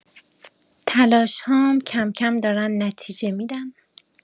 تلاش‌هام کم‌کم دارن نتیجه می‌دن